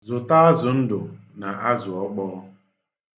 Zụta azụ ndụ na azụ ọkpọọ.